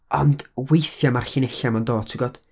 Ond weithiau ma'r llinellau 'ma'n dod, tibod?